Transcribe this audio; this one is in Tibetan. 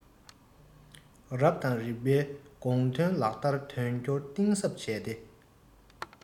རབ དང རིམ པའི དགོངས དོན ལག བསྟར དོན འཁྱོལ གཏིང ཟབ བྱས ཏེ